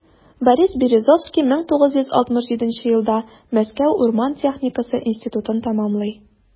Борис Березовский 1967 елда Мәскәү урман техникасы институтын тәмамлый.